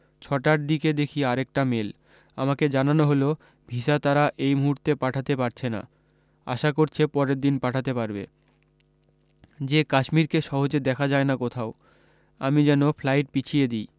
ছটার দিকে দেখি আরেকটা মেল আমাকে জানানো হলো ভিসা তারা এইমুহুর্তে পাঠাতে পারছেনা আশা করছে পরেরদিন পাঠাতে পারবে যে কাশ্মীরকে সহজে দেখা যায় না কোথাও আমি যেন ফ্লাইট পিছিয়ে দিই